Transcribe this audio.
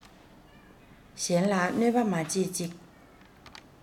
གཞན ལ གནོད པ མ བྱེད ཅིག